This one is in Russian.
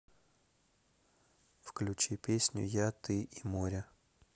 включи песню я ты и море